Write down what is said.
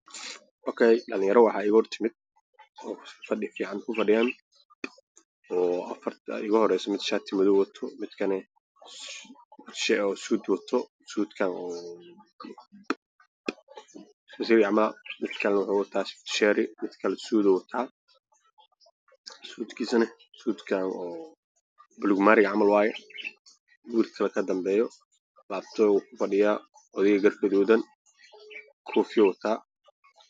Ok dhalinyaro waxa iga hor timid fadhi ay ku fadhiyaan Afarta iga horesa midka shaati madow wato midkana suut oo wato suutkana mid kala Futushaari wata mid akle suut wata suutkiisana suudka oo baluug maari camal waye buudka ka dambeya oo ku fadhiya dhar gaduudan koofiyo wata